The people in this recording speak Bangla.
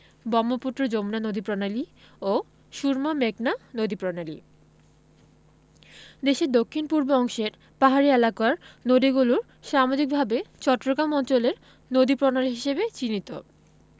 ব্রহ্মপুত্র যমুনা নদীপ্রণালী ও সুরমা মেঘনা নদীপ্রণালী দেশের দক্ষিণ পূর্ব অংশের পাহাড়ী এলাকার নদীগুলো সামগ্রিকভাবে চট্টগ্রাম অঞ্চলের নদীপ্রণালী হিসেবে চিহ্নিত